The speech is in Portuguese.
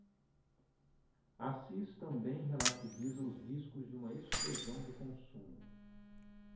assis também relativiza os riscos de uma explosão do consumo